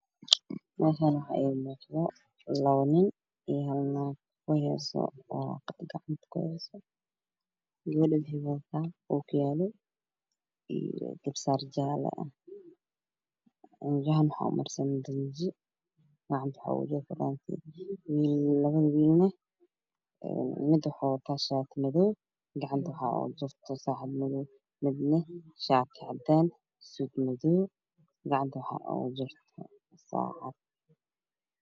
Halkaan waxaa iiga muuqdo labo nin iyo hal naag oo heyso qad gacanta kuheyso. Gabadhu waxay wadataa ookiyaalo iyo garba saar jaalo ah, cidiyahana waxaa u marsan rinji gacanta waxaa ugu jira faraanti. Labada wiilna mid waxuu wataa shaati madow ah gacanta waxaa ugu jirta saacad madow ah midna shaati cadaan, suud madow gacantana waxaa ugu jirta saacad.